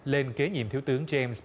lên kế nhiểm thiếu tướng giêm